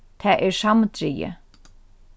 tað er samdrigið